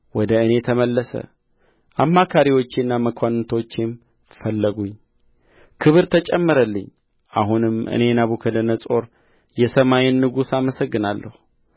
ወደ እኔ ተመለሰ አማካሪዎቼና መኳንንቶቼም ፈለጉኝ በመንግሥቴም ውስጥ ጸናሁ ብዙም ክብር ተጨመረልኝ አሁንም እኔ ናቡከደነፆር የሰማይን ንጉሥ አመሰግናለሁ